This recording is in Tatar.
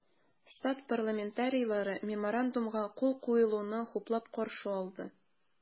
Штат парламентарийлары Меморандумга кул куелуны хуплап каршы алды.